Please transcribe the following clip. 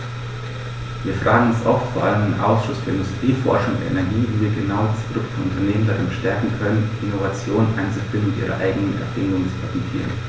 Wir fragen uns oft, vor allem im Ausschuss für Industrie, Forschung und Energie, wie wir genau diese Gruppe von Unternehmen darin bestärken können, Innovationen einzuführen und ihre eigenen Erfindungen zu patentieren.